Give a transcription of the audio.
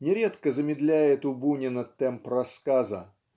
нередко замедляет у Бунина темп рассказа